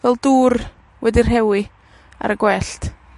fel dŵr, wedi rhewi, ar y gwellt.